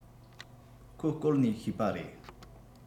ཁོ བསྐོལ ནས ཤེས པ རེད